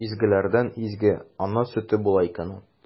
Изгеләрдән изге – ана сөте була икән ул!